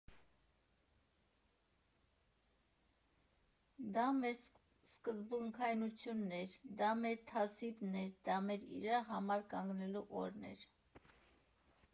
Դա մեր սկզբունքայնությունն էր, դա մեր թասիբն էր, դա մեր իրար համար կանգնելու օրն էր։